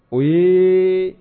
Ɛɛ